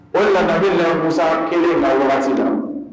O de la bɛ bɛ musa kelen mara wagati kan